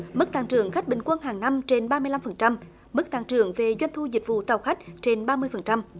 mức tăng trưởng khách bình quân hàng năm trên ba mươi lăm phần trăm mức tăng trưởng về doanh thu dịch vụ tàu khách trên ba mươi phần trăm